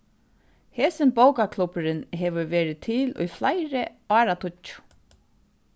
hesin bókaklubburin hevur verið til í fleiri áratíggju